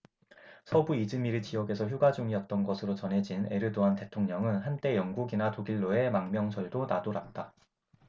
서부 이즈미르 지역에서 휴가 중이었던 것으로 전해진 에르도안 대통령은 한때 영국이나 독일로의 망명설도 나돌았다